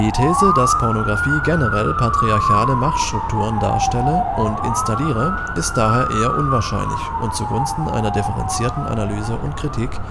These, dass Pornografie generell patriarchale Machtstrukturen darstelle und installiere, ist daher eher unwahrscheinlich und zugunsten einer differenzierteren Analyse und Kritik